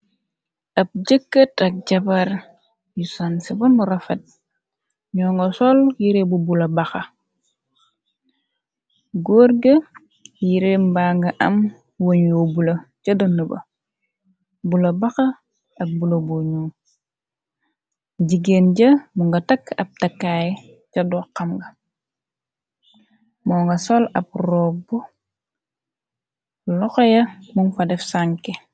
Ab jëkkat ak jabar yu sansi bamu rafet ñoo ngo sol yiree bu bula baxa górg yire mba nga am wëñyu bula ca dënn ba bula baxa ab bula boñu jigéen ja mu nga takk ab takkaay ca do xam nga moo nga sol ab roobbu loxoya mum fa def sànke.